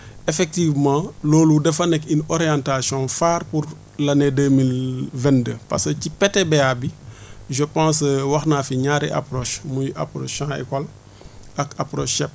effectivement loolu dafa nekk une orientation phare pour l' année deux mille vingt deux parce que ci PTBA bi je pense wax naa fi ñaari approches muy approche champs école ak approche chepte